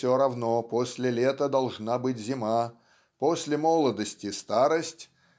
все равно после лета должна быть зима после молодости старость